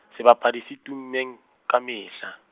sebapadi se tummeng, ka mehla.